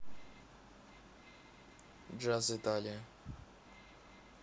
джаз италия